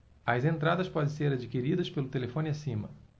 as entradas podem ser adquiridas pelo telefone acima